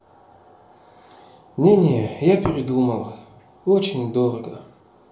не не я передумала очень дорого